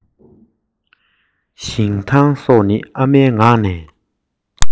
ཞིང ཐང སོགས ནི ཨ མའི ངག ནས